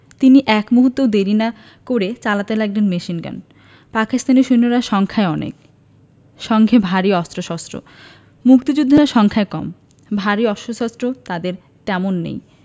তিনি এক মুহূর্তও দেরি না করে চালাতে লাগলেন মেশিনগান পাকিস্তানি সৈন্যরা সংখ্যায় অনেক সঙ্গে ভারী অস্ত্রশস্ত্র মুক্তিযোদ্ধারা সংখ্যায় কম ভারী অস্ত্রশস্ত্র তাঁদের তেমন নেই